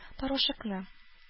Порошокны